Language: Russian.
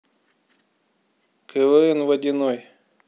квн водяной